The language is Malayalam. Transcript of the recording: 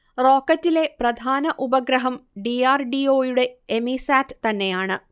റോക്കറ്റിലെ പ്രധാന ഉപഗ്രഹം ഡി. ആർ. ഡി. ഓ. യുടെ എമീസാറ്റ് തന്നെയാണ്